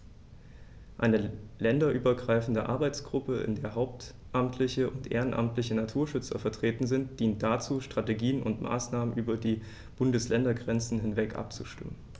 Eine länderübergreifende Arbeitsgruppe, in der hauptamtliche und ehrenamtliche Naturschützer vertreten sind, dient dazu, Strategien und Maßnahmen über die Bundesländergrenzen hinweg abzustimmen.